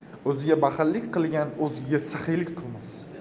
o'ziga baxillik qilgan o'zgaga saxiylik qilmas